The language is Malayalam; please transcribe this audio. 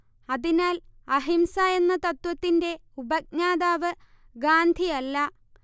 അതിനാൽ അഹിംസ എന്ന തത്ത്വത്തിന്റെ ഉപജ്ഞാതാവ് ഗാന്ധി അല്ല